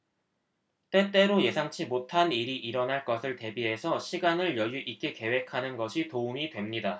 때때로 예상치 못한 일이 일어날 것을 대비해서 시간을 여유 있게 계획하는 것이 도움이 됩니다